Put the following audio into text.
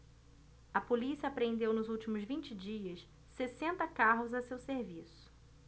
a polícia apreendeu nos últimos vinte dias sessenta carros a seu serviço